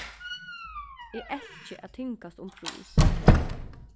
eg elski at tingast um prís